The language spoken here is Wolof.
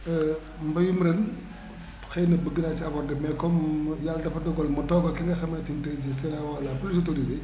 mbayum ren xëy na bëgg naa ci aborder mais comme Yàlla dafa dogal ma toog ak ki nga xamante ni tay jii c' est la vois la plus autorisée